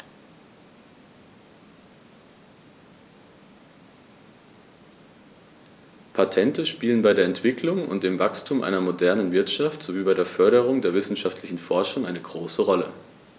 Patente spielen bei der Entwicklung und dem Wachstum einer modernen Wirtschaft sowie bei der Förderung der wissenschaftlichen Forschung eine große Rolle.